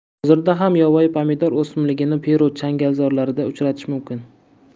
hozirda ham yovvoyi pomidor o'simligini peru changalzorlarida uchratish mumkin